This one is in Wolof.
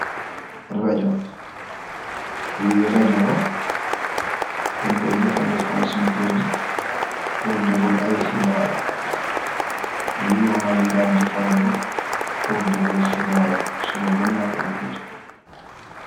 Reejo le reejo la deng koi jefendeko sunn keur yi pull deglu ay xibaar yii la maag yi dan jefendo pul deglu xibaar suba bu neka ak bechek.